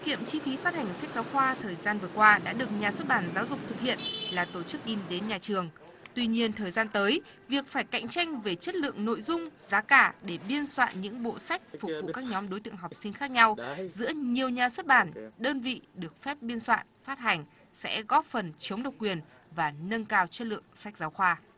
kiệm chi phí phát hành sách giáo khoa thời gian vừa qua đã được nhà xuất bản giáo dục thực hiện là tổ chức tìm đến nhà trường tuy nhiên thời gian tới việc phải cạnh tranh về chất lượng nội dung giá cả để biên soạn những bộ sách phục vụ các nhóm đối tượng học sinh khác nhau giữa nhiều nhà xuất bản đơn vị được phép biên soạn phát hành sẽ góp phần chống độc quyền và nâng cao chất lượng sách giáo khoa